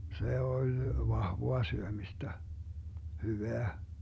se oli vahvaa syömistä hyvää